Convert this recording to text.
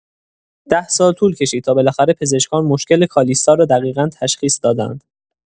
ده سال طول کشید تا بالاخره پزشکان مشکل کالیستا را دقیقا تشخیص دادند.